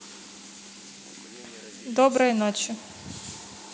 доброй ночи